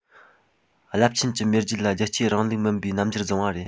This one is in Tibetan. རླབས ཆེན གྱི མེས རྒྱལ ལ རྒྱལ གཅེས རིང ལུགས མིན པའི རྣམ འགྱུར བཟུང བ རེད